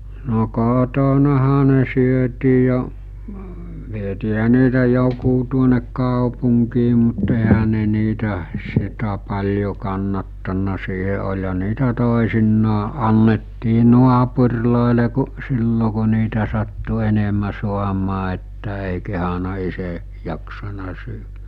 no kotonahan ne syötiin jo vietiinhän niitä joku tuonne kaupunkiin mutta eihän ne niitä sitä paljon kannattanut siihen olihan niitä toisinaan annettiin naapureille kun silloin kun niitä sattui enemmän saamaan että ei kehdannut itse jaksanut syödä --